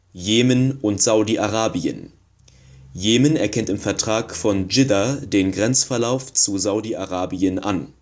Jemen und Saudi-Arabien: Jemen erkennt im Vertrag von Dschidda den Grenzverlauf zu Saudi-Arabien an